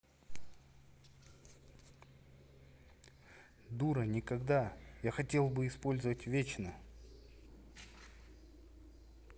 дура никогда я хотел бы использовать вечно